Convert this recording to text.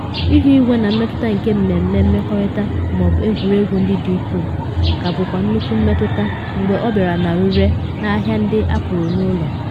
Ihuigwe na mmetụta nke mmemme mmerịkọta ma ọ bụ egwuregwu ndị dị ukwuu ka bụkwa nnukwu mmetụta mgbe ọ bịara n’ọrịre n’ahịa ndị apụrụ n’ụlọ.